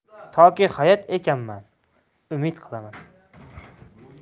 toki hayot ekanman umid qilaman